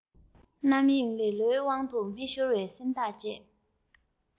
རྣམ གཡེང ལེ ལོའི དབང དུ མི ཤོར བའི སེམས ཐག བཅད